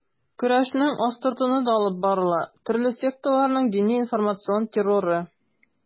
Көрәшнең астыртыны да алып барыла: төрле секталарның дини-информацион терроры.